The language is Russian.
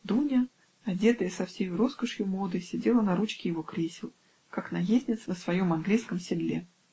Дуня, одетая со всею роскошью моды, сидела на ручке его кресел, как наездница на своем английском седле.